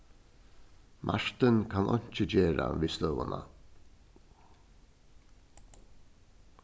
martin kann einki gera við støðuna